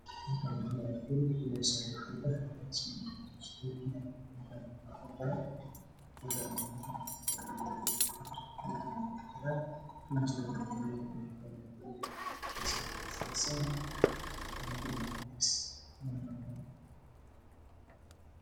Waa qol albaab iyo mutuleel leh